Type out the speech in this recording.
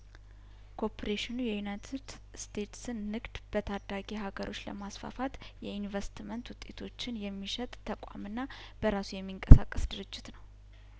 ኮፕሬሽኑ የዩናይትት ስቴትስንንግድ በታዳጊ ሀገሮች ለማስፋፋት የኢንቨስትመንት ውጤቶችን የሚሸጥ ተቋምና በራሱ የሚንቀሳቀስ ድርጅት ነው